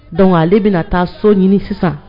Don ale bɛna taa so ɲini sisan